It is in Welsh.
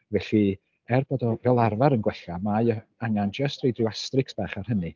Felly, er bod o fel arfer yn gwella mae angen jyst roid ryw asterix bach ar hynny.